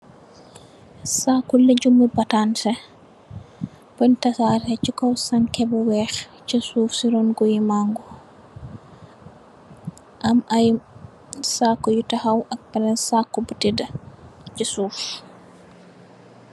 Sagu lujumi batansè, bun tasarè ci kaw sankè bu weeh ci suuf ci ron goyè yi mango. Amm ay sagu yu tahaw, am benen sagu yu tëda ci suuf.